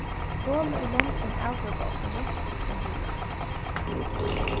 holur í lendinum avdúka ofta rottu uttandura